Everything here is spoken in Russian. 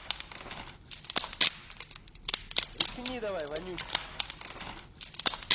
рискни давай вонючка